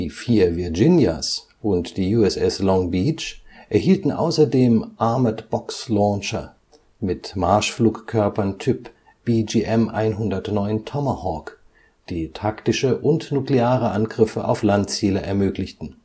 vier Virginias und die USS Long Beach erhielten außerdem Armored Box Launcher mit Marschflugkörpern Typ BGM-109 Tomahawk, die taktische und nukleare Angriffe auf Landziele ermöglichten